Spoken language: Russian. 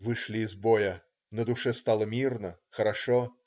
Вышли из боя - на душе стало мирно, хорошо.